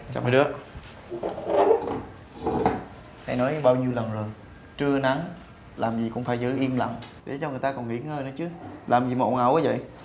chào mấy đứa thầy nói biết bao nhiêu lần rồi trưa nắng làm gì cũng phải giữ im lặng để cho người ta còn nghỉ ngơi nữa chứ làm gì mà ồn ào quá vậy